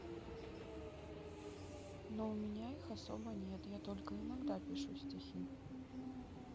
ну у меня их особо нет только я иногда пишу стихи